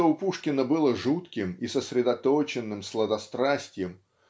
что у Пушкина было жутким и сосредоточенным сладострастьем